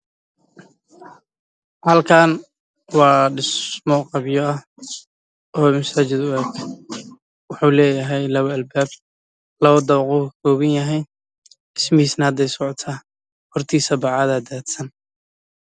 Halkaan waa dhismo qabyo ah